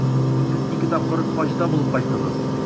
Сез ике тапкыр Хаҗда булып кайттыгыз.